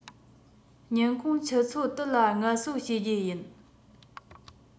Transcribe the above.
ཉིན གུང ཆུ ཚོད དུ ལ ངལ གསོ བྱེད རྒྱུ ཡིན